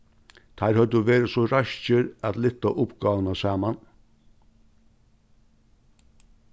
teir høvdu verið so raskir at lyfta uppgávuna saman